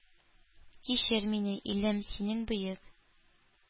Кичер мине, илем, синең бөек